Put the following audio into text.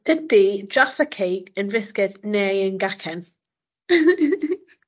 ...ydi jaffa cake yn fisged neu yn gacen?